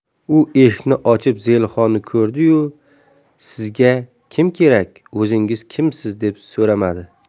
u eshikni ochib zelixonni ko'rdi yu sizga kim kerak o'zingiz kimsiz deb so'ramadi